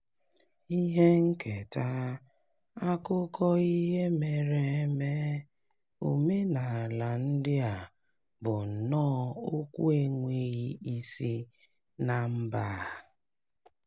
Ihe nketa, akụkọ ihe mere eme, omenala ndị a bụ nnọo okwu enweghị isi na mba a!